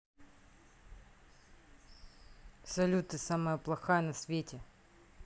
салют ты самая плохая на свете